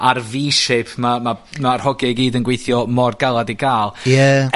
...a'r vee shape 'ma ma' ma'r hogia i gyd yn gweithio mor galad i ga'l. Ie.